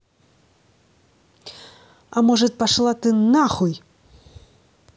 а может пошла ты нахуй